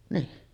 niin